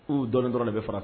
U dɔɔnin dɔrɔn ne bɛ fara